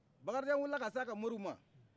bakarijan wilila ka s'aka moriw ma